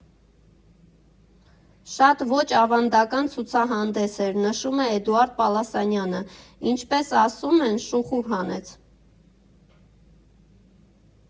Շատ ոչ ավանդական ցուցահանդես էր, ֊ նշում է Էդուարդ Պալասանյանը, ֊ ինչպես ասում են՝ շուխուր հանեց։